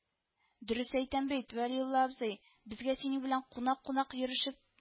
- дөрес әйтәм бит, вәлиулла абзый, безгә си-нең белән кунак-кунак йөрешеп